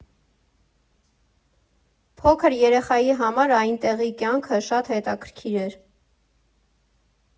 Փոքր երեխայի համար այնտեղի կյանքը շատ հետաքրքիր էր։